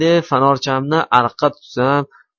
deb fanorchamni ariqqa tutsam